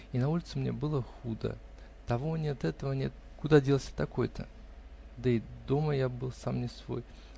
И на улице мне было худо (того нет, этого нет, куда делся такой-то?) -- да и дома я был сам не свой.